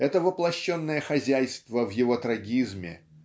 это воплощенное хозяйство в его трагизме